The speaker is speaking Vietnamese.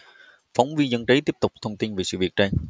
phóng viên dân trí tiếp tục thông tin về sự việc trên